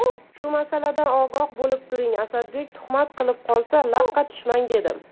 shu masaladan ogoh bo'lib turing asadbek tuhmat qilib qolsa laqqa tushmang dedim